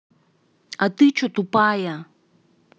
а ты че тупая